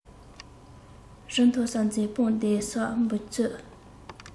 རི མཐོ སར འཛེགས སྤང བདེ སར འབུ འཚོལ